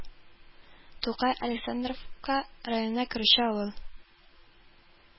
Тукай Александровка районына керүче авыл